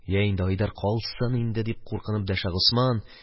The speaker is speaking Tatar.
– йә инде, айдар, калсын инде, – дип, куркынып дәшә госман.